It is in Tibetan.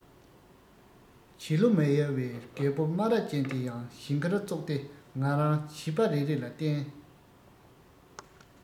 བྱིས བློ མ ཡལ བའི རྒད པོ སྨ ར ཅན དེ ཡང ཞིང ཁར ཙོག སྟེ ང རང བྱིས པ རེ རེ ལ བསྟན